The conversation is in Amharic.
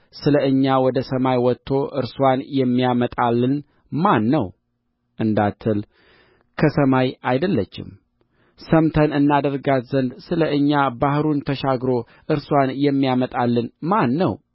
ስለ እኛ ወደ ሰማይ ወጥቶ እርስዋን የሚያመጣልን ማን ነው እንዳትል በሰማይ አይደለችም ሰምተን እናደርጋት ዘንድ ስለ እኛ ባሕሩን ተሻግሮ እርስዋን የሚያመጣልን ማን ነው